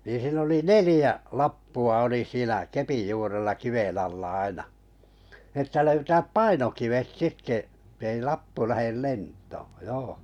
niin siinä oli neljä lappua oli siinä kepin juurella kiven alla aina niin että löytää painokivet että ei lappu lähde lentoon joo